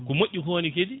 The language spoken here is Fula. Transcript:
ko moƴƴiko ni kadi